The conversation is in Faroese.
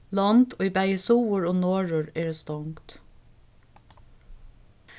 lond í bæði suður og norður eru stongd